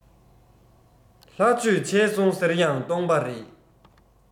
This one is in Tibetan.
ལྷ ཆོས བྱས སོང ཟེར ཡང སྟོང པ རེད